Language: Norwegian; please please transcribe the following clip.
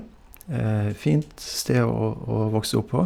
Fint sted å å å vokse opp på.